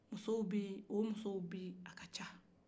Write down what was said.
musow bi-o musow bi a ka ca